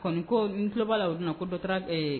Ɔ ni ko, ko n tulo b'a la o don na ko dɔ taara ee.